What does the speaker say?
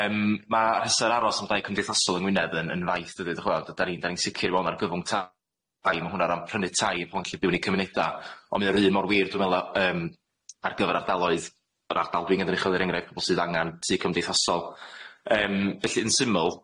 Yym ma' rhestyr aros am dai cymdeithasol yng Ngwynedd yn yn faith dydi d' ch' 'mod a 'dan ni'n 'dan ni'n sicir mewn argyfwng tai- tai ma' hwnna ran prynu tai pobol gallu byw yn 'i cymuneda ond mau o'r un mor wir dwi'n me'wl o yym ar gyfer ardaloedd yr ardal dwi'n gynrychioli er engraiff pobol sydd angan tŷ cymdeithasol yym felly yn symyl,